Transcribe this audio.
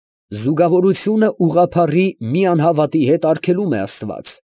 Զուգավորությունը ուղղափառի մի անհավատի հետ արգելում է աստված։